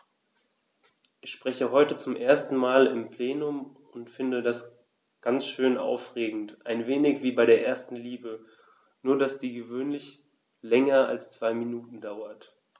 Ich spreche heute zum ersten Mal im Plenum und finde das ganz schön aufregend, ein wenig wie bei der ersten Liebe, nur dass die gewöhnlich länger als zwei Minuten dauert.